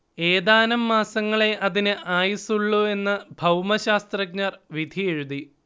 ഏതാനും മാസങ്ങളേ അതിന് ആയുസുള്ളൂ എന്ന് ഭൗമശാസ്ത്രജ്ഞർ വിധിയെഴുതി